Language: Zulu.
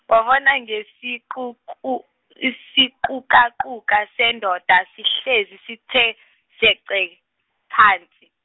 wabona ngesiquku- isiqukaquka sendoda sihlezi sithe jeqe, phansi.